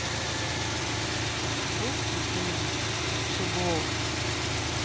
русский фильм щегол